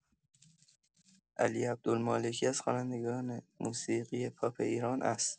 علی عبدالمالکی از خوانندگان موسیقی پاپ ایران است.